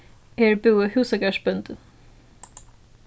her búði húsagarðsbóndin